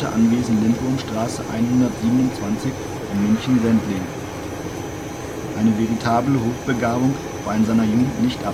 Anwesen Lindwurmstraße 127 in München-Sendling). Eine veritable Hochbegabung war in seiner Jugend nicht